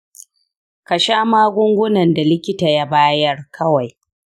ka sha magungunan da likita ya bayar kawai